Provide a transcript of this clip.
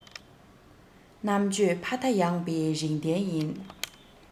རྣམ དཔྱོད ཕ མཐའ ཡངས པའི རིག ལྡན ཡིན